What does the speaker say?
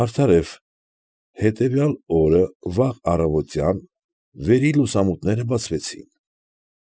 Արդարև, հետևյալ օրը վաղ առավոտյան վերի հարկի լուսամուտները բացվեցին։